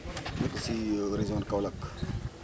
nekk si région :fre de Kaolack